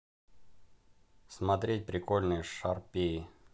смотреть прикольные шарпеи